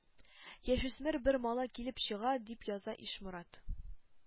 Яшүсмер бер малай килеп чыга дип яза ишморат,